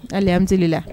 A an teli la